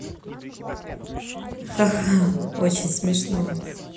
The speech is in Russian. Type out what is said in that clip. ха ха очень смешно